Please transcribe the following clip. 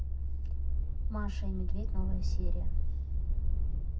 маша и медведь новая серия